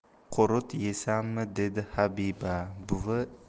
qurut yeysanmi dedi habiba